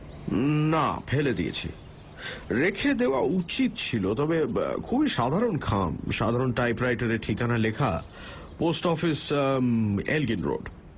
না ফেলে দিয়েছি রেখে দেওয়া হয়তো উচিত ছিল তবে খুবই সাধারণ খাম সাধারণ টাইপরাইটারে ঠিকানা লেখা পোস্টঅফিস এলগিন রোড